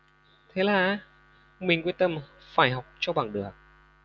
thế là mình quyết tâm phải học cho bằng được